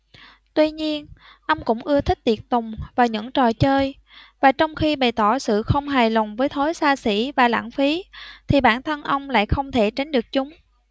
tuy nhiên ông cũng ưa thích tiệc tùng và những trò chơi và trong khi bày tỏ sự không hài lòng với thói xa xỉ và lãng phí thì bản thân ông lại không thể tránh được chúng